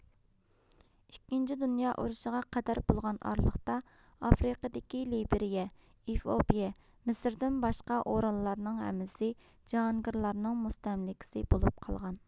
ئىككىنچى دۇنيا ئۇرۇشىغا قەدەر بولغان ئارىلىقتا ئافرىقىدىكى لېبرىيە ئېفىئوپىيە مىسىردىن باشقا ئورۇنلارنىڭ ھەممىسى جاھانگىرلارنىڭ مۇستەملىكىسى بولۇپ قالغان